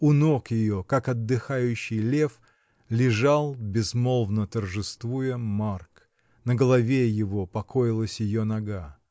У ног ее, как отдыхающий лев, лежал, безмолвно торжествуя, Марк: на голове его покоилась ее нога.